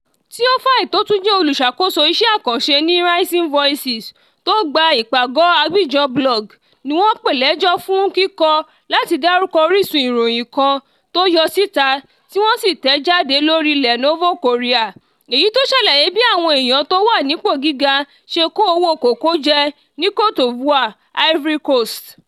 Théophile, tó tún jẹ́ olùṣàkóso isẹ́ àkànṣe ní Rising Voices tó gba ìpàgọ́ọ Abidjan Blog, ní wọ́n pè lẹ́jọ́ fún kíkọ̀ láti dárúkọ orísun ìròyìn kan tó yọ́ síta ti woọ́n sì tẹ̀ jáde lórí Le Nouveau Courier, èyí tó ṣàlàyé bí àwọn èèyàn tó wà nípò gíga ṣe kó owó kòkó jẹ ní Côte d'Ivoire (Ivory Coast).